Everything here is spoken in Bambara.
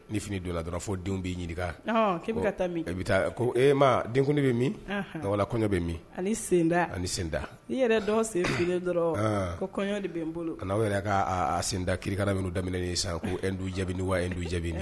Ni fini donnala dɔrɔnw fɔ den b'i ɲininka, ɔhɔ, ko maa i bɛ ka taa min? Ko ee ma denkundi bɛ min wala kɔɲɔ bɛ min ani sen da ani sen da, yɛ ni'i rɛ ye dɔw sen finen dɔrɔnw, ɔɔn ko kɔɲɔ de bɛ n bolo, ani aw yɛrɛ ka sen da kirikara minnu daminɛ sisan ko Hindu jaabini wa, Hindu jaabi!